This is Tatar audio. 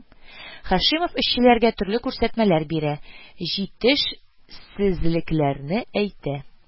Һашимов эшчеләргә төрле күрсәтмәләр бирә, җитеш-сезлекләрне әйтә